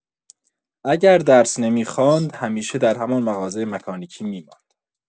اگر درس نمی‌خواند، همیشه در همان مغازۀ مکانیکی می‌ماند.